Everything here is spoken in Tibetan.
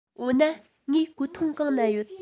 འོ ན ངའི གོས ཐུང གང ན ཡོད